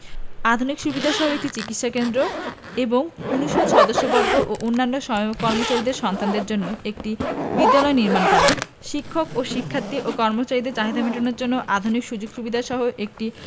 আধুনিক সুবিধাসহ একটি চিকিৎসা কেন্দ্র এবং অনুষদ সদস্যবর্গ ও অন্যান্য সহায়ক কর্মচারীদের সন্তানদের জন্য একটি বিদ্যালয় নির্মাণ করা শিক্ষক শিক্ষার্থী ও কর্মচারীদের চাহিদা মেটানোর জন্য আধুনিক সুযোগ সুবিধাসহ একটি